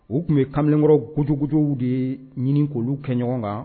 U tun bɛ kamalenkɔrɔ gojugujugujuguw de ye ɲini k'olu kɛ ɲɔgɔn kan